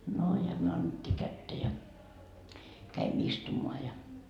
no ja me annettiin kättä ja kävimme istumaan ja